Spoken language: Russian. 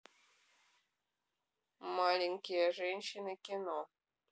маленькие женщины кино